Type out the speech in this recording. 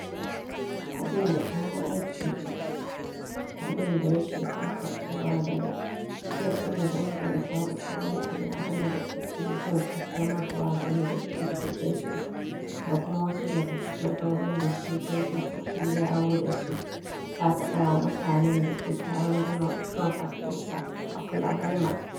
“Abin da ɗana yake ciki, abin da yake farfaɗowa daga, zan iya danganta da sauran iyalan da suke jin ƙaddamarwa game da PTSD da kuma wasu daga cikin raunin da sojoji suke dawo da su, ta faɗa wa mutanen dake taron Donald Trump a Tulsa, Oklahoma.